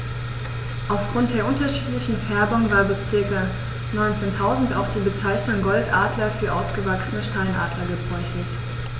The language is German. Auf Grund der unterschiedlichen Färbung war bis ca. 1900 auch die Bezeichnung Goldadler für ausgewachsene Steinadler gebräuchlich.